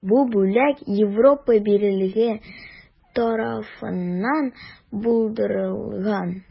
Бу бүләк Европа берлеге тарафыннан булдырылган.